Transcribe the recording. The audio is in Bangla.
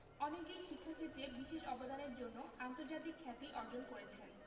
অনেকেই শিক্ষাক্ষেত্রে বিশেষ অবদানের জন্য আন্তর্জাতিক খ্যাতি অর্জন করেছেন